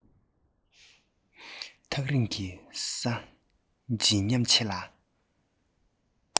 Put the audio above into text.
ཐག རིང གི ས ན བརྗིད ཉམས ཆེ ལ